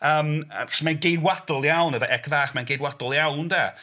Yym achos mae'n geidwadol iawn fo c fach mae'n geidwadol iawn de.